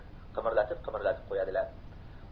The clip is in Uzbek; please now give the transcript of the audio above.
qimirlatib qimirlatib qo'yadilar